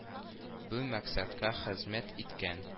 Бу максатка хезмәт иткән